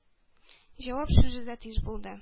Җавап сүзе дә тиз булды.